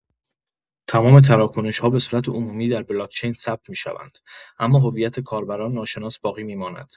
تمام تراکنش‌ها به‌صورت عمومی در بلاک‌چین ثبت می‌شوند، اما هویت کاربران ناشناس باقی می‌ماند.